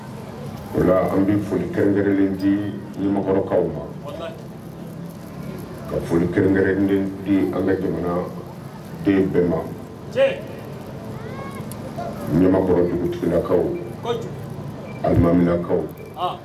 Ola an bɛ foli kɛrɛnkɛ dikɔrɔkaw ma ka foli kɛrɛnkɛ an ka jamana den bɛɛ ma ɲamamakɔrɔ dugutigiinakawlimaminakaw